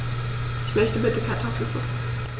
Ich möchte bitte Kartoffelsuppe.